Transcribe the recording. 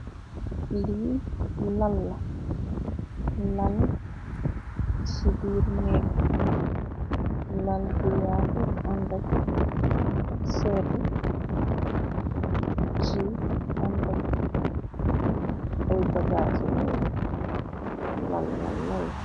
Li laal la laal si birr neeg laal bu yatu andak seetu di andak ay bagass si neeg laal la laal.